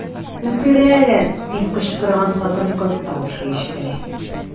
"үтерәләр” дип кычкырган хатын-кыз тавышы ишетелә.